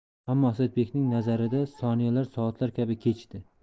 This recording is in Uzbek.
ammo asadbekning nazarida soniyalar soatlar kabi kechdi